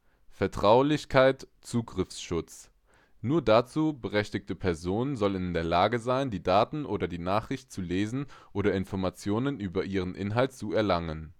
Vertraulichkeit/Zugriffsschutz: Nur dazu berechtigte Personen sollen in der Lage sein, die Daten oder die Nachricht zu lesen oder Informationen über ihren Inhalt zu erlangen